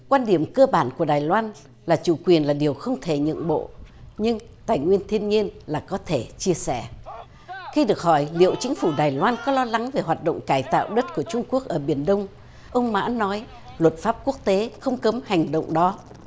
quan điểm cơ bản của đài loan là chủ quyền là điều không thể nhượng bộ nhưng tài nguyên thiên nhiên là có thể chia sẻ khi được hỏi liệu chính phủ đài loan có lo lắng về hoạt động cải tạo đất của trung quốc ở biển đông ông mã nói luật pháp quốc tế không cấm hành động đó